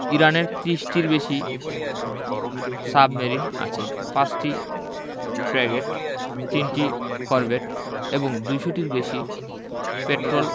ইরানের ৩০টির বেশি সাবমেরিন আছে ৫টি ফ্র্যাগেট ৩টি করভেট এবং ২০০ টিরও বেশি পেট্রল